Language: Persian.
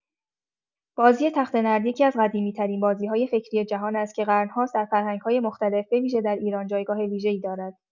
بازی تخته‌نرد یکی‌از قدیمی‌ترین بازی‌های فکری جهان است که قرن‌هاست در فرهنگ‌های مختلف، به‌ویژه در ایران، جایگاه ویژه‌ای دارد.